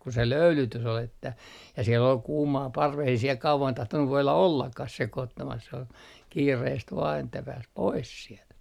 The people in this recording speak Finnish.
kun se löylytys oli että ja siellä oli kuumaa parvessa ei siellä kauan tahtonut voida ollakaan sekoittamassa se oli kiireesti vain että pääsi pois sieltä